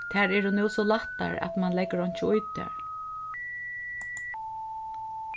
tær eru nú so lættar at mann leggur einki í tær